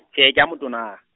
tjhee ke a motona.